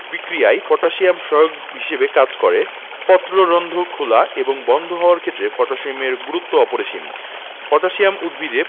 বিক্রিয়ায় পটাশিয়াম সহায়ক হিসেবে কাজ করে পত্ররন্ধ্র খেলা এবং বন্ধ হওয়ার ক্ষেত্রে পটাশিয়ামের গুরুত্ব অপরিসীম পটাশিয়াম উদ্ভিদে